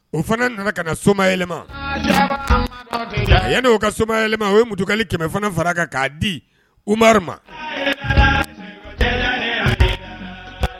O fana nana ka na somaɛlɛ a ye'o ka somaɛlɛ o ye mutukali kɛmɛ fana fara kan k'a di uri ma